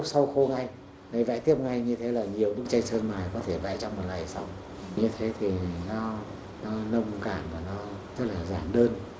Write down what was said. sau khô ngay vẽ tiếp ngay như thế nhiều bức tranh sơn mài có thể vẽ trong một ngày xong như thế thì nó nông cạn và nó rất là giản đơn